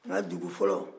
n ka dugu fɔlɔ